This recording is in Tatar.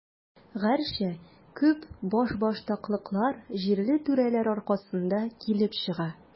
Гәрчә, күп башбаштаклыклар җирле түрәләр аркасында килеп чыга.